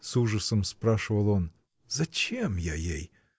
— с ужасом спрашивал он, — зачем я ей?